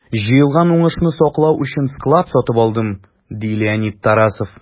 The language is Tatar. Җыелган уңышны саклау өчен склад сатып алдым, - ди Леонид Тарасов.